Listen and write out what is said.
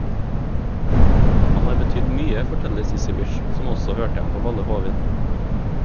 Han har betydd mye, forteller Sissy Wish, som også hørte ham på Valle Hovin.